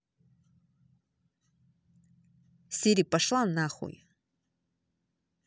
сири пошла нахуй